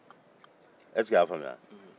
i y'a faamuya wa